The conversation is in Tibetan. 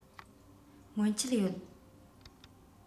སྔོན ཆད ཡོད